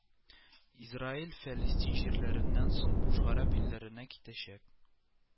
Израиль, фәлестин җирләреннән соң Буш гарәп илләренә китәчәк